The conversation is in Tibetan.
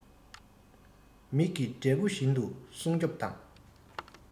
མིག གི འབྲས བུ བཞིན དུ སྲུང སྐྱོབ བྱས